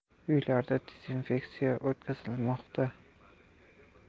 uylarda dezinfeksiya o'tkazilmoqda